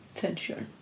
Tensiwn.